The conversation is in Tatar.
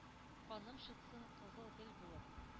Каным шытсын кызыл гөл булып.